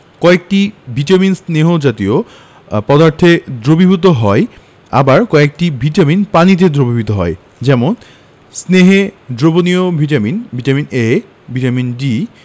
কয়েকটি ভিটামিন স্নেহ জাতীয় পদার্থে দ্রবীভূত হয় আবার কয়েকটি ভিটামিন পানিতে দ্রবীভূত হয় যেমন স্নেহে দ্রবণীয় vitamin vitamin A vitamin D